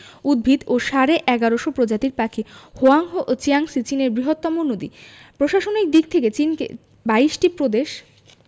উদ্ভিত ও সাড়ে ১১শ প্রজাতির পাখি হোয়াংহো ও চিয়াংসি চীনের বৃহত্তম নদী প্রশাসনিক দিক থেকে চিনকে ২২ টি প্রদেশ